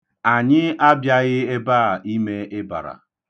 Anyị abịaghị ebe a ime ịbara.